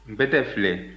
npɛtɛ filɛ